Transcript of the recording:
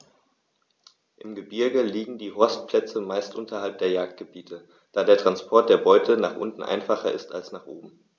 Im Gebirge liegen die Horstplätze meist unterhalb der Jagdgebiete, da der Transport der Beute nach unten einfacher ist als nach oben.